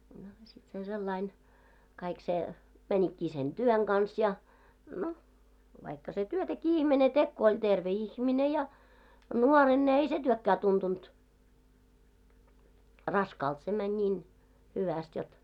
no sitten se sellainen kaikki se menikin sen työn kanssa ja no vaikka se työtäkin ihminen teki kun oli terve ihminen ja nuorena ne ei se työkään tuntunut raskaalta se meni niin hyvästi jotta